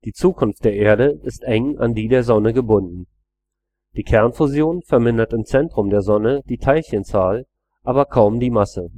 Zukunft der Erde ist eng an die der Sonne gebunden. Die Kernfusion vermindert im Zentrum der Sonne die Teilchenzahl (4 p + 2 e → He2+), aber kaum die Masse